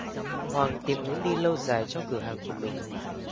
hoàng tìm hướng đi lâu dài cho cửa hàng của mình